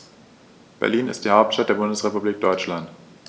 Berlin ist die Hauptstadt der Bundesrepublik Deutschland.